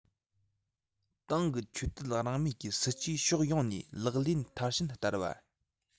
ཏང གི ཆོས དད རང མོས ཀྱི སྲིད ཇུས ཕྱོགས ཡོངས ནས ལག ལེན མཐར ཕྱིན བསྟར བ